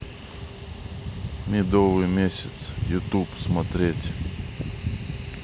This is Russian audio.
медовый месяц ютуб смотреть